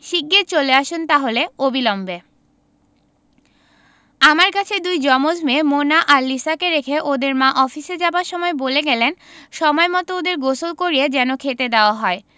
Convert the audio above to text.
শিগগির চলে আসুন তাহলে অবিলম্বে আমার কাছে দুই জমজ মেয়ে মোনা আর লিসাকে রেখে ওদের মা অফিসে যাবার সময় বলে গেলেন সময়মত ওদের গোসল করিয়ে যেন খেতে দেওয়া হয়